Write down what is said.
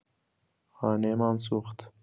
خانه‌مان سوخت.